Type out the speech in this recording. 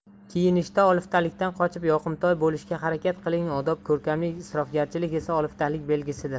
kiyinishda oliftalikdan qochib yoqimtoy bo'lishga harakat qiling odob ko'rkamlik isrofgarchilik esa oliftalik belgisidir